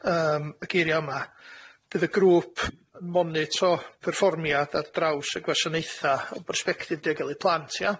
yym y geiria yma bydd y grŵp yn monitro perfformiad ar draws y gwasanaetha o borsbectif diogelu plant ia?